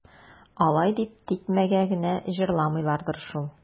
Алай дип тикмәгә генә җырламыйлардыр шул.